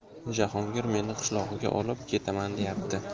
jahongir meni qishlog'iga olib ketaman deyapti